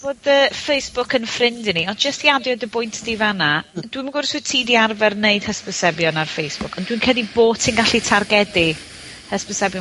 bod yy, Facebook yn ffrind i ni. Ond jyst i adio dy bwynt di fan 'na, dwi'm yn gwbod os wyt ti 'di arfer neud hysbysebion ar Facebook, ond dwi'n credu bo' ti'n gallu targedu hysbysebion